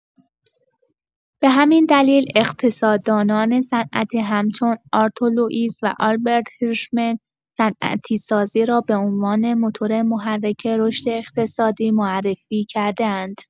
به همین دلیل اقتصاددانان صنعتی همچون آرتور لوئیس و آلبرت هیرشمن، صنعتی‌سازی را به‌عنوان موتور محرک رشد اقتصادی معرفی کرده‌اند.